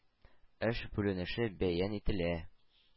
“эш бүленеше” бәян ителә.